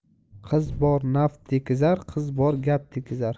qiz bor naf tekizar qiz bor gap tekizar